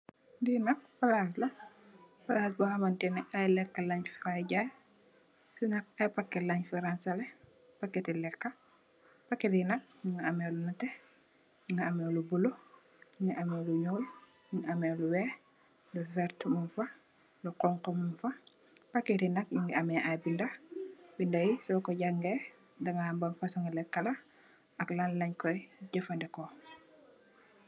Lii nak plass la, plass bor hamanteh neh aiiy lehkah lengh fa jaii, plass bii nak aiiy packet len fa raanzaleh, packeti lehkah, packet yii nak mungy ameh lu nehteh, mungy ameh lu bleu, mungy ameh lu njull, mungy ameh lu wekh, lu vertue mung fa, lu honhu mung fa, packet yii nak mungy ameh aiiy binda, binda yii sor kor jangeh danga ham ban fasoni lehkah la ak lan langh koi jeufandehkor.